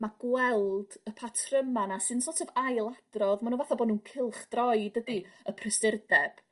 Ma' gweld y patryma 'na sy'n so't of ail adrodd ma nw fatha bo' nw'n cylchdroi dydi? Y prysurdeb.